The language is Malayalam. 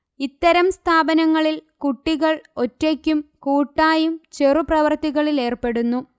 ഇത്തരം സ്ഥാപനങ്ങളിൽ കുട്ടികൾ ഒറ്റയ്ക്കും കൂട്ടായും ചെറുപ്രവൃത്തികളിലേർപ്പെടുന്നു